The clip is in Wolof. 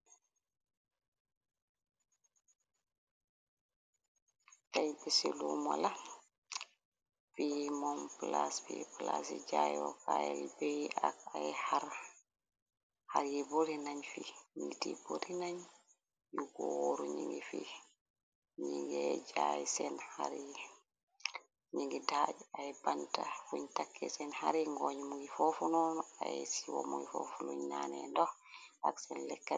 Kay bisi lumola, pi mon plas bi plas jayo kayl bey ak, xaryi bori nañ fi, nityi bori nañ, yu gooru ningi fi jay seen, arningi daaj ay banta fuñ takki seen xari, ngonumngi foofu noonu ay ci womngi, foofu luñ nane dox ak seen lekk.